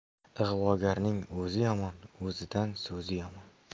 ig'vogarning o'zi yomon o'zidan so'zi yomon